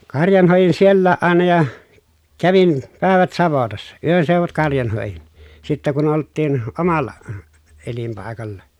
karjan hoidin sielläkin aina ja kävin päivät savotassa yönseudut karjan hoidin sitten kun oltiin omalla elinpaikalla